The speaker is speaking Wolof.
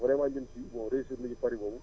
vraiment ñun fii bon réussir :fa nañu pari boobu